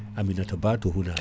Aminata BA to Hounare